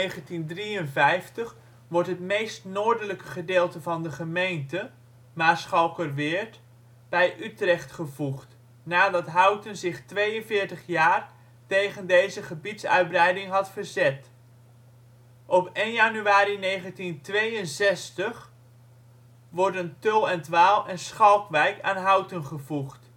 1953 wordt het meest noordelijke gedeelte van de gemeente (Maarschalkerweerd) bij Utrecht gevoegd, nadat Houten zich 42 jaar tegen deze gebiedsuitbreiding had verzet. Op 1 januari 1962 worden Tull en ' t Waal en Schalkwijk aan Houten gevoegd